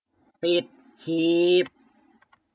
ปิดหีบ